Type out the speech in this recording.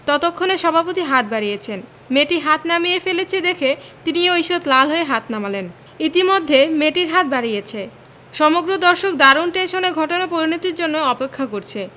ততক্ষনে সভাপতি হাত বাড়িয়েছেন মেয়েটি হাত নামিয়ে ফেলেছে দেখে তিনিও ঈষৎ লাল হয়ে হাত নামালেন ইতিমধ্যে মেয়েটির হাত বাড়িয়েছে সমগ্র দর্শক দারুণ টেনশনে ঘটনার পরিণতির জন্যে অপেক্ষা করছে